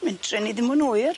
Mentre ni ddim yn 'wyr!